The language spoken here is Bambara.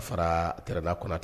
Fara trna kɔnatɛ